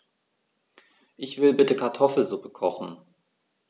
Ich will bitte Kartoffelsuppe kochen.